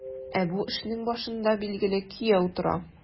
Ә бу эшнең башында, билгеле, кияү тора.